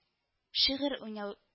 Шигырь уйнау